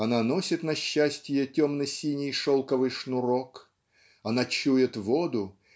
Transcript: Она носит на счастье темно-синий шелковый шнурок она чует воду